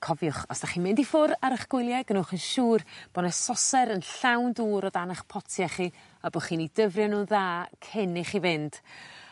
Cofiwch os 'dach chi'n mynd i ffwr' ar 'ych gwylie gnewch yn siŵr bo' 'ne soser yn llawn dŵr o dan 'ych potie chi a bo' chi'n 'u dyfrio nw'n dda cyn i chi fynd.